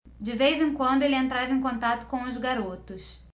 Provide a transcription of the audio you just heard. de vez em quando ele entrava em contato com os garotos